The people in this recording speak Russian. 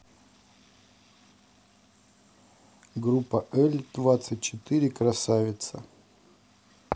группа л двадцать четыре красавица